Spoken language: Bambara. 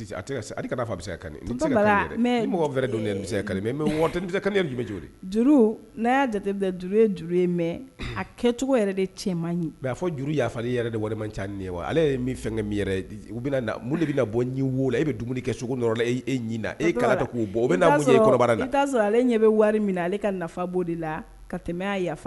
Aa jate a kɛcogo cɛ fɔ juruli yɛrɛ ca ye wa ale ye fɛn mi u bɛna de bɛ bɔ ɲɛ wolo e bɛ dumuni kɛ e e ɲin e k' bɔ'a sɔrɔ ale ɲɛ bɛ wari min ale ka nafa de la ka tɛmɛ yafa